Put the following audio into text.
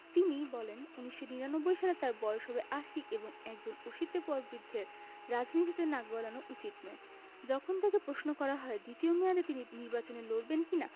তিনি বলেন ১৯৯৯ সালে তাঁর বয়স হবে আশি এবং একজন অশীতিপর বৃদ্ধের রাজনীতিতে নাক গলানো উচিত নয় যখন তাঁকে প্রশ্ন করা হয় দ্বিতীয় মেয়াদে তিনি নির্বাচনে লড়বেন কি না